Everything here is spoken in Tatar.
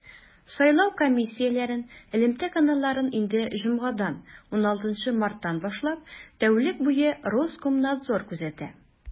Сайлау комиссияләрен элемтә каналларын инде җомгадан, 16 марттан башлап, тәүлек буе Роскомнадзор күзәтә.